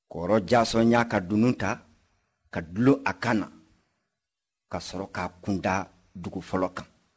kɔrɔ jaason y'a ka dunun ta ka dulon a kan na ka sɔrɔ k'a kun da dugu fɔlɔ kan